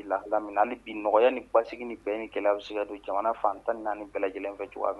Hali bi nɔgɔyaya ni basigi ni bɛn ni 1 ya bɛ se ka don jamana fan 14 bɛɛ lajɛlen fɛ cogoya min na